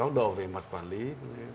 góc độ về mặt quản lí